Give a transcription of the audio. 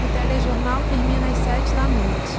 o telejornal termina às sete da noite